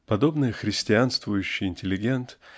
Подобный христианствующий интеллигент